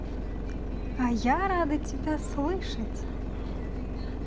а я рада тебя слышать